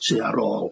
sy ar ôl.